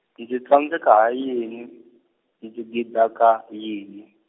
ndzi tsandzeka ha yini, ndzi dingaka, yini?